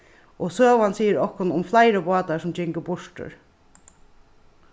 og søgan sigur okkum um fleiri bátar sum gingu burtur